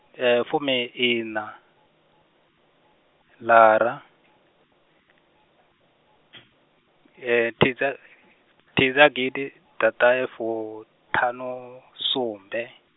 fumiiṋa, lara, thidza, thidza gidiḓaṱahefuṱhanusumbe.